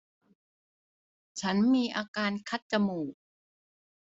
ฉันมีอาการคัดจมูก